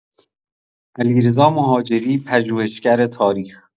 علیرضا مهاجری پژوهشگر تاریخ